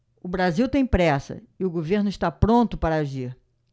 o brasil tem pressa e o governo está pronto para agir